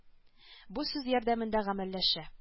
Бу сүз ярдәмендә гамәлләшә